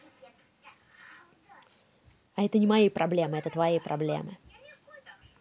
а это не мои проблемы это твои проблемы